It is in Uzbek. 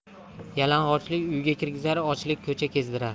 yalang'ochlik uyga kirgizar ochlik ko'cha kezdirar